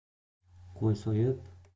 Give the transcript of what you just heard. qo'y so'yib